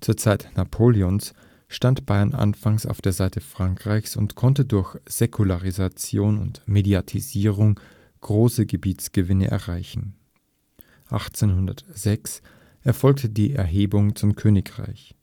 Zur Zeit Napoleons stand Bayern anfangs auf der Seite Frankreichs und konnte durch Säkularisation und Mediatisierung große Gebietsgewinne erreichen. 1806 erfolgte die Erhebung zum Königreich.